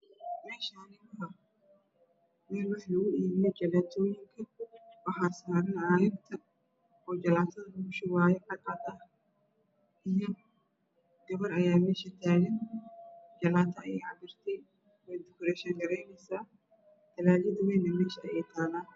Meshani wa mel waxa lagu ibiyo jalatooyinka waxa saran cagada oo jalatada lagu shupaayo cad cad ah iyo gabar ayaa mesha taagan jalata ayey caportay wey duk reshin garanesaa talagasa ween meesha ayey talaa